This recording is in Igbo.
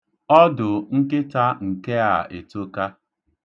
Ọdụ nkịta nke a etoka.